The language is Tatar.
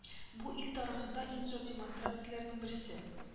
Бу ил тарыхында иң зур демонстрацияләрнең берсе